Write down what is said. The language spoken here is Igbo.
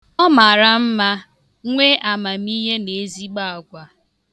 Ọ mara mma, nwee amamihe na ezigbo agwa.